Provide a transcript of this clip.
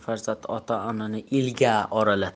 yaxshi farzand ota onani elga oralatar